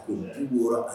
O bɔra